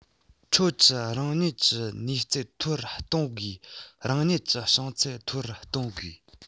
ཁྱོད ཀྱིས རང ཉིད ཀྱི ནུས རྩལ མཐོ རུ གཏོང དགོས རང ཉིད ཀྱི བྱང ཚད མཐོ རུ གཏོང དགོས